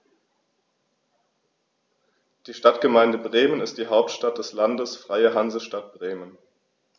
Die Stadtgemeinde Bremen ist die Hauptstadt des Landes Freie Hansestadt Bremen.